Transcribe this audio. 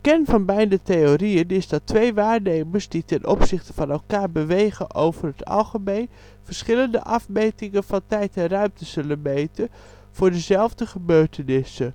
kern van beide theorieën is dat twee waarnemers die ten opzichte van elkaar bewegen over het algemeen verschillende afmetingen van tijd en ruimte zullen meten voor dezelfde gebeurtenissen.